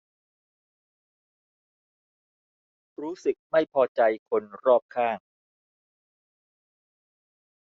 รู้สึกไม่พอใจคนรอบข้าง